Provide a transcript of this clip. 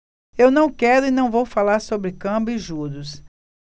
eu não quero e não vou falar sobre câmbio e juros